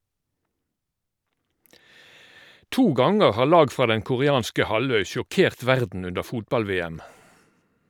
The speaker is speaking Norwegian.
To ganger har lag fra den koreanske halvøy sjokkert verden under fotball-VM.